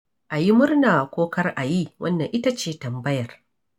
A yi murna ko kar a yi, wannan ita ce tambayar.